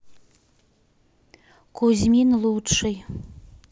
кузьмин лучший